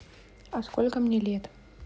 а сколько мне лет